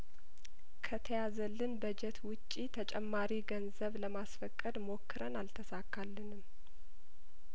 ከተያዘ ልን በጀት ውጪ ተጨማሪ ገንዘብ ለማስፈቀድ ሞክረን አልተሳካልንም